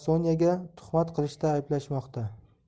sonyaga tuhmat qilishda ayblashmoqda